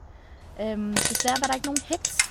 Dessverre var det ikke noen heks.